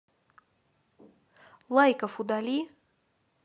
лайков удали